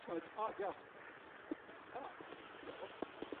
t'mod, o, diolch, o, diolch.